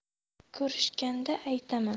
ko'rishganda aytaman